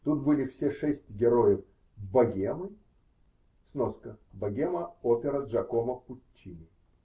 Тут были все шесть героев "Богемы" сноска Богема - опера Джакомо Пуччини.